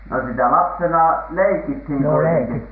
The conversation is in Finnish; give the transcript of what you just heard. no sitä lapsena leikittiin kuitenkin